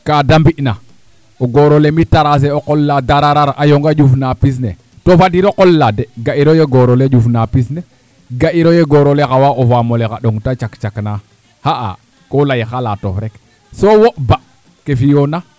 kaa de mbi'na o goor ole mi tracer o qol la dararal a yonga ƴufna pis ne to fadiro no qol la de ga'iro yee goor ole ƴufna pis ne ga'iro yee goor oxe xawa o faam ole xa ɗong te cak cak naa xa'aa ko lay xalatof rek so wo ba ke fi'oona